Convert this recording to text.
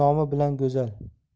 nomi bilan go'zal